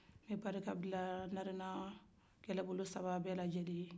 nbɛ barika bila narena kɛlɛbolo saba bɛ la jɛlen ye